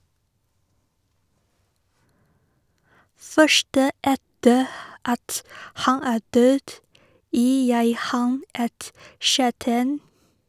"Først etter at han er død, gir jeg han et kjærtegn."